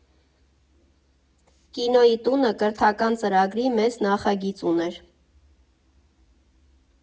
Կինոյի տունը կրթական ծրագրի մեծ նախագիծ ուներ։